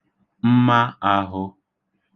mma āhụ̄